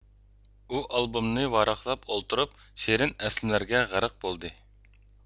ئۇ ئالبومنى ۋاراقلاپ ئولتۇرۇپ شېرىن ئەسلىمىلەرگە غەرق بولدى